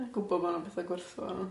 Ie gwbo bo' nhw'n petha gwerthfawr.